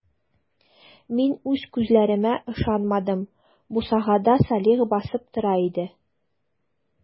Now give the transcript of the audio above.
Мин үз күзләремә ышанмадым - бусагада Салих басып тора иде.